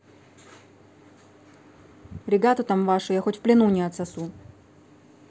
регату там вашу я хоть в плену не отсосу